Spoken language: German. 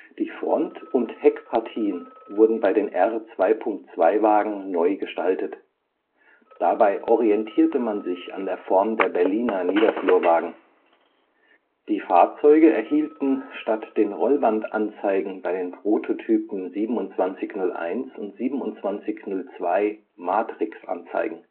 Die Front - und Heckpartien wurden bei den R 2.2-Wagen neu gestaltet. Dabei orientierte man sich an der Form der Berliner Niederflurwagen. Die Fahrzeuge erhielten statt den Rollbandanzeigen bei den Prototypen 2701 und 2702 Matrixanzeigen